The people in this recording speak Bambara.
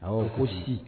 Ɔ ko z